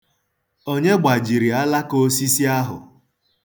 Onye gbajiri alakaosisi ahụ?